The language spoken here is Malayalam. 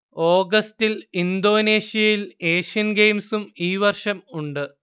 ഓഗസ്റ്റിൽ ഇന്തോനേഷ്യയിൽ ഏഷ്യൻ ഗെയിംസും ഈ വർഷം ഉണ്ട്